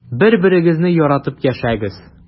Бер-берегезне яратып яшәгез.